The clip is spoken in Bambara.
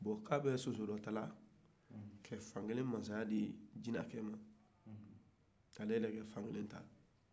k'a bɛ soso tila ka fan kelen masaya di jinacɛ ma ale yɛrɛ bɛ fan kelen ta